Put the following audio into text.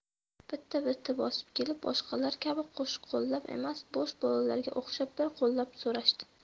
bitta bitta bosib kelib boshqalar kabi qo'shqo'llab emas yosh bolalarga o'xshab bir qo'llab so'rashdi